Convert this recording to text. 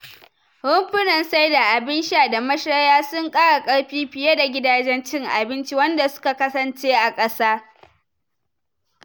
Rumfunan saida abin sha da mashaya sun kara ƙarfi fiye da gidajen cin abinci wanda suka kasance a ƙasa.